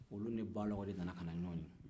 olu ni balɔbɔ de nana ɲɔgɔn ye